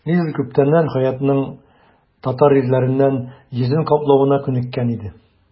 Лиза күптәннән Хәятның татар ирләреннән йөзен каплавына күнеккән иде.